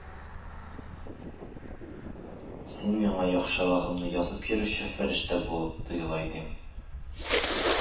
Син миңа яхшылыгымны язып йөрүче фәрештә булып тоела идең